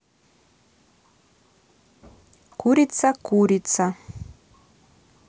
курица курица